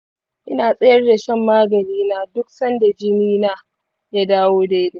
ina tsayar da shan magani na duk sanda jini na ya dawo daidai.